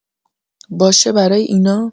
باشه برای اینا؟